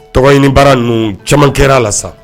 Tɔgɔɲini baara nunu caman kɛra la sa